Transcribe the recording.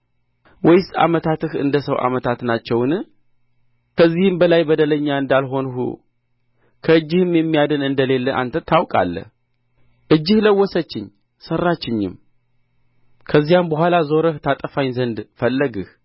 ወይስ ዓመታትህ እንደ ሰው ዓመታት ናቸውን ከዚህም በላይ በደለኛ እንዳልሆንሁ ከእጅህም የሚያድን እንደሌለ አንተ ታውቃለህ እጅህ ለወሰችኝ ሠራችኝም ከዚያም በኋላ ዞረህ ታጠፋኝ ዘንድ ፈለግህ